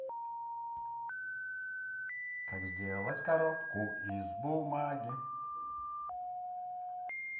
как сделать коробку из бумаги